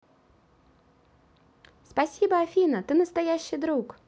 спасибо афина ты настоящий друг